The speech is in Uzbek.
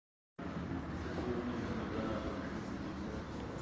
koronavirus tufayli ko'plab mamlakatlar xitoyga parvozlarni taqiqlab qo'ydi jumladan o'zbekiston ham